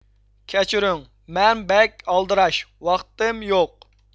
كەچۈرۈڭ مەن بەك ئالدىراش ۋاقىتم يوق